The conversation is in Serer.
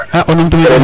a o numtu me re'oona